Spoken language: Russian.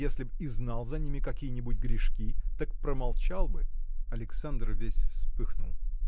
если б и знал за ними какие-нибудь грешки так промолчал бы. Александр весь вспыхнул.